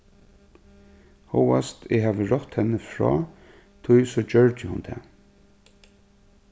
hóast eg havi rátt henni frá tí so gjørdi hon tað